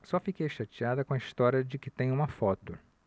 só fiquei chateada com a história de que tem uma foto